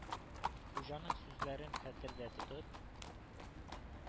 Хуҗаның сүзләрен хәтердә тотып,